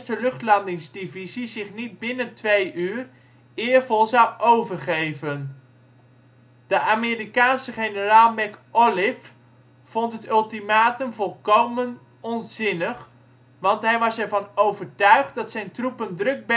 Luchtlandingsdivisie zich niet binnen twee uur ' eervol zou overgeven '. De Amerikaanse generaal McAuliffe vond het ultimatum volkomen onzinnig, want hij was ervan overtuigd dat zijn troepen druk